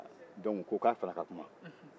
aa dɔnki o ko k' a fana ka kuma